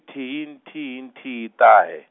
nthihi nthihi nthihi ṱahe.